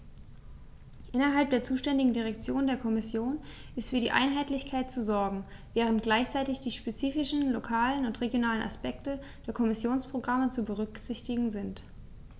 Innerhalb der zuständigen Direktion der Kommission ist für Einheitlichkeit zu sorgen, während gleichzeitig die spezifischen lokalen und regionalen Aspekte der Kommissionsprogramme zu berücksichtigen sind.